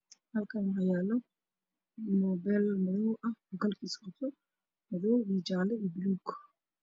Waa sawir telefoon lagu xayeysiinayo i b s bank